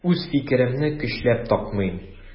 Үз фикеремне көчләп такмыйм.